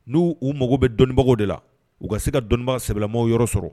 N'u u mago bɛ dɔnnibagaw de la, u ka se ka dɔnnibaga sɛbɛlamɔɔw yɔrɔ sɔrɔ